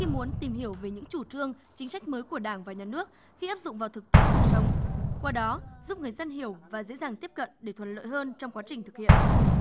khi muốn tìm hiểu về những chủ trương chính sách mới của đảng và nhà nước khi áp dụng vào thực tiễn cuộc sống qua đó giúp người dân hiểu và dễ dàng tiếp cận để thuận lợi hơn trong quá trình thực hiện